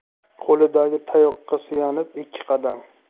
qo'lidagi tayoqqa suyanib ikki qadam